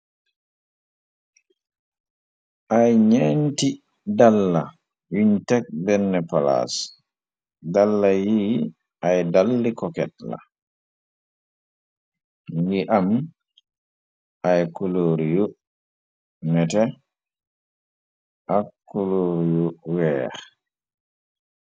Ay ñeenti dalla yuñ tek bennepalaas dalla yi ay dalli koket la ngi am ay kulur yu mete ak kuluur yu weex.